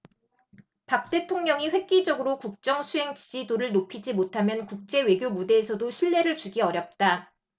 박 대통령이 획기적으로 국정수행지지도를 높이지 못하면 국제 외교 무대에서도 신뢰를 주기 어렵다